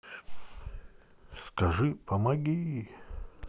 скажи помоги